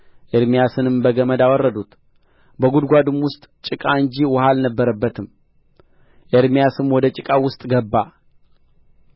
ኤርምያስንም በገመድ አወረዱት በጕድጓድም ውስጥ ጭቃ እንጂ ውኃ አልነበረበትም ኤርምያስም ወደ ጭቃው ውስጥ ገባ